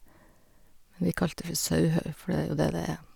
Men vi kalte det for sauhau, for det er jo det det er.